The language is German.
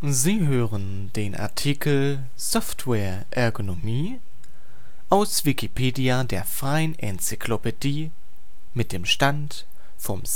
Sie hören den Artikel Software-Ergonomie, aus Wikipedia, der freien Enzyklopädie. Mit dem Stand vom